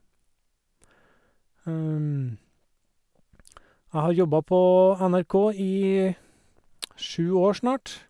Jeg har jobba på NRK i sju år snart.